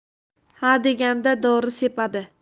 hadeganda dori sepadi